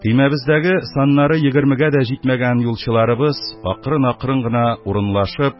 Көймәбездәге саннары егермегә дә җитмәгән юлчыларыбыз, акрын- акрын гына урынлашып,